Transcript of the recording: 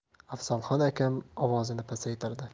afzalxon akam ovozini pasaytirdi